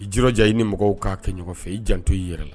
I jirɔja i ni mɔgɔw kaa kɛ ɲɔgɔn fɛ i janto i yɛrɛ la